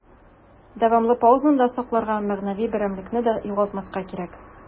Дәвамлы паузаны да сакларга, мәгънәви берәмлекне дә югалтмаска кирәк.